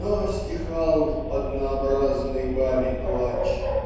Но стихал Однообразный бабий плач